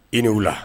I ni wula